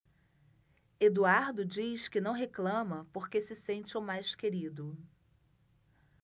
eduardo diz que não reclama porque se sente o mais querido